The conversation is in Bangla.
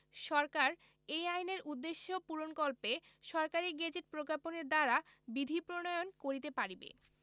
সরকার এই আইনের উদ্দেশ্য পূরণকল্পে সরকারী গেজেট প্রজ্ঞাপনের দ্বারা বিধি প্রণয়ন করিতে পারিবে